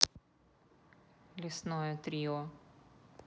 лесное трио